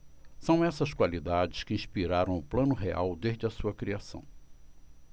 são essas qualidades que inspiraram o plano real desde a sua criação